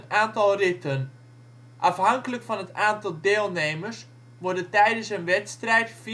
aantal ritten. Afhankelijk van het aantal deelnemers worden tijdens een wedstrijd vier tot zes heats verreden